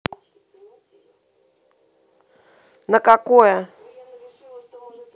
на какое